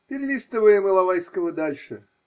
– Перелистываем Иловайского дальше.